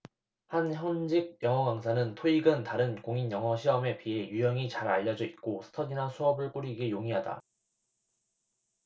한 현직 영어강사는 토익은 다른 공인영어시험에 비해 유형이 잘 알려져 있고 스터디나 수업을 꾸리기에 용이하다